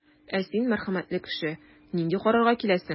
Ә син, мәрхәмәтле кеше, нинди карарга киләсең?